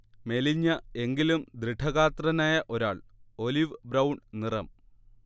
മെലിഞ്ഞ, എങ്കിലും ദൃഢഗാത്രനായ ഒരാൾ, ഒലിവ്-ബ്രൗൺ നിറം